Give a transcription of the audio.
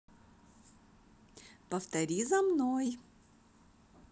повтори за мной